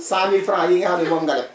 100000F yi nga xam ne moom nga leb